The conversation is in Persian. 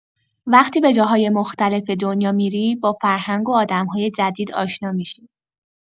وقتی به جاهای مختلف دنیا می‌ری، با فرهنگ‌ها و آدم‌های جدید آشنا می‌شی.